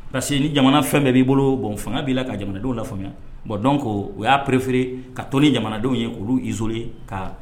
Parce que ni jamana fɛn bɛɛ b'i bolo bɔn fanga' la ka jamanadenw faamuya bɔn dɔn ko o y'a pereefiere ka tɔn ni jamanadenw ye k oluzori ka